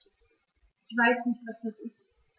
Ich weiß nicht, was das ist.